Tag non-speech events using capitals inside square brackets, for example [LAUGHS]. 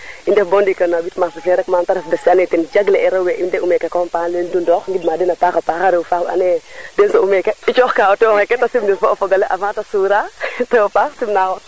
merci beaucoup Ndiounga Faye cherie Waly Faye i ndef bo ndiik no 8 Mars fe rek te ref bes fe ando naye ten jagle e rewe i nde u meke paana le Ndoundokh gidma den a paxa paax rew faax we ando naye den soɓum meeke i coox ka o tewo xe te simnir fo o fogole avant te suura [LAUGHS] tewo paax simna xong